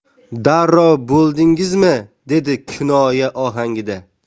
darrov bo'ldingizmi dedi kinoya ohangida